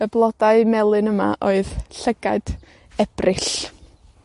y blodau melyn yma oedd Llygad Ebrill.